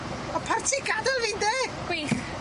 Ma' parti gadel fi ynde? Gwych.